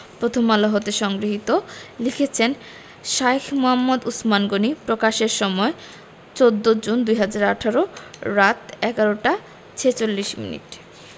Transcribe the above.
প্রথমআলো হতে সংগৃহীত লিখেছেন শাঈখ মুহাম্মদ উছমান গনী প্রকাশের সময় ১৪ জুন ২০১৮ রাত ১১টা ৪৬ মিনিট